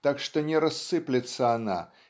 так что не рассыплется она